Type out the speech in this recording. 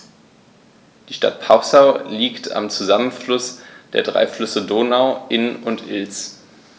Die Stadt Passau liegt am Zusammenfluss der drei Flüsse Donau, Inn und Ilz.